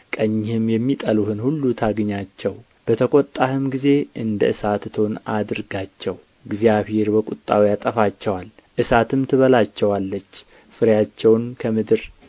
ቀኝህም የሚጠሉህን ሁሉ ታግኛቸው በተቈጣህም ጊዜ እንደ እሳት እቶን አድርጋቸው እግዚአብሔር በቍጣው ያጠፋቸዋል እሳትም ትበላቸዋለች ፍሬአቸውን ከምድር